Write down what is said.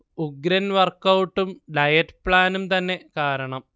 ഉഗ്രൻ വർക്ഔട്ടും ഡയറ്റ് പ്ലാനും തന്നെ കാരണം